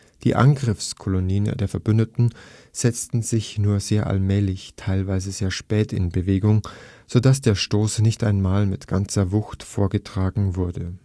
Die Angriffskolonnen der Verbündeten setzten sich nur sehr allmählich, teilweise recht spät, in Bewegung, so dass der Stoß nicht auf einmal mit ganzer Wucht vorgetragen wurde